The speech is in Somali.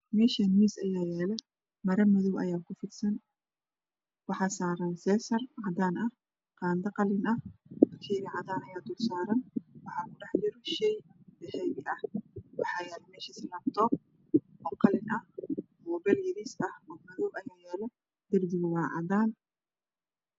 Meshan miis ayaa yala maro madow ayaa ku fidsan waxaa saran seysar cadan ah qanda qalin ah shey cagara ayaa dul saran waxaa ku dhex jira shey dahabi ah waxaa yala mesha labtoob oo qalin ah mobel ayariis ah oo madow ah ayaa yala derbiga waa cadan